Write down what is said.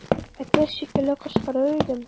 Әтәч шикелле кычкырыр идем.